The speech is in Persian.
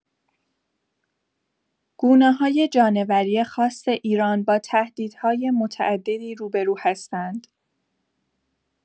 گونه‌های جانوری خاص ایران با تهدیدهای متعددی روبه‌رو هستند؛